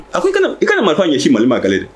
A ko i kana marifa ɲɛsi mali maka de